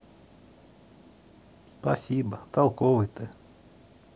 спасибо толковый ты